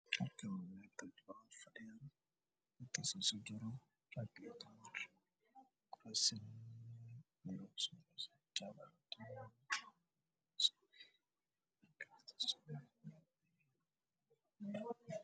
Waa meel ay fadhiyaan niman iyo naga Gabdha usoo horeyso waxey wadataa Xijaab buluug ah